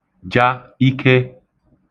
ja ike